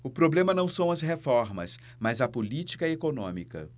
o problema não são as reformas mas a política econômica